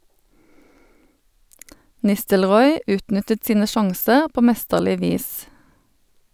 Nistelrooy utnyttet sine sjanser på mesterlig vis.